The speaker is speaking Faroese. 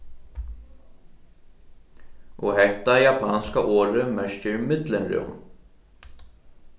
og hetta japanska orðið merkir millumrúm